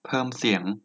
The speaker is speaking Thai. เพิ่มเสียง